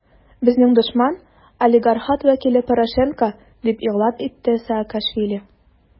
Безнең дошман - олигархат вәкиле Порошенко, - дип игълан итте Саакашвили.